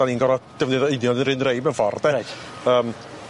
'Dan ni'n gor'o' defnyddio union yr un rei mewn ffor'. Reit. Yym.